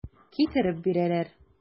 Китереп бирәләр.